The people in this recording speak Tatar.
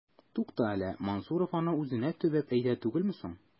Тукта әле, Мансуров аның үзенә төбәп әйтә түгелме соң? ..